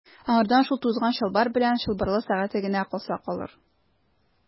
Аңардан шул тузган чалбар белән чылбырлы сәгате генә калса калыр.